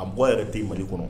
An bɔ yɛrɛ te mali kɔnɔ